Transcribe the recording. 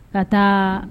Ka taa